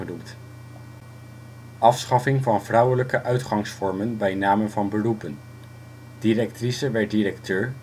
Afschaffing van vrouwelijke uitgangsvormen bij namen van beroepen. Directrice werd directeur